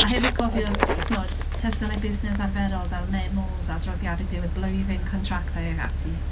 A hefyd cofiwch, chimod, testunau busnes arferol fel memos, adroddiadau diwedd blwyddyn, contractau ac ati.